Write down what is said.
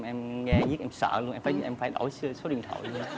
em nghe riết em sợ luôn em em phải đổi số số điện thoại luôn